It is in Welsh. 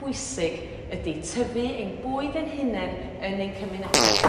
bwysig ydi tyfu ein bwyd ein hunen yn ein cymunede.